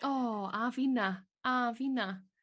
O a finna a finna.